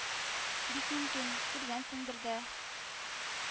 — бик мөмкин, күргәнсеңдер дә